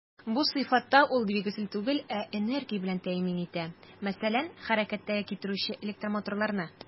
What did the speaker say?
Бу сыйфатта ул двигатель түгел, ә энергия белән тәэмин итә, мәсәлән, хәрәкәткә китерүче электромоторларны.